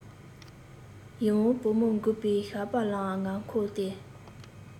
ཡིད འོང བུ མོ འགུགས པའི ཞགས པ ལའང ང མཁོ སྟེ